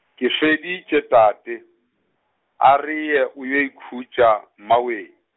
ke feditše tate, a re ye o ye ikhutša, Mmawee.